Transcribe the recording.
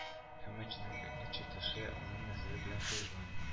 Һәм мәчетнең эче-тышы аның нәселе белән тулган